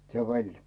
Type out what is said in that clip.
se veli